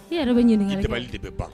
E yɛrɛ bɛ ɲini de bɛ ba